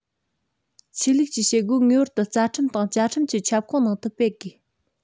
ཆོས ལུགས ཀྱི བྱེད སྒོ ངེས པར དུ རྩ ཁྲིམས དང བཅའ ཁྲིམས ཀྱི ཁྱབ ཁོངས ནང དུ སྤེལ དགོས